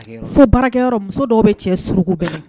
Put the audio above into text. Fo baarakɛyɔrɔ muso dɔw bɛ cɛ suruugukubɛn